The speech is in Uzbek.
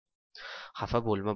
xafa bo'lma